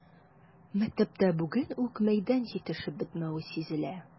Мәктәптә бүген үк мәйдан җитешеп бетмәве сизелә.